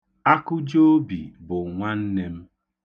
Akụjụobi bụ nwanne m.